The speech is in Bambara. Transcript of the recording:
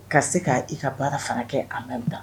Ka se k' i ka baara fana kɛ a ma dan